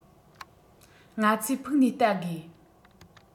ང ཚོས ཕུགས ནས བལྟ དགོས